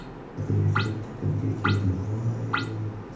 vali yugurib tepamga keldi voy y y